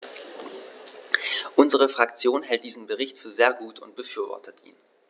Unsere Fraktion hält diesen Bericht für sehr gut und befürwortet ihn.